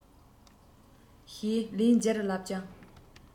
ཞེས ལན བརྒྱར ལབ ཀྱང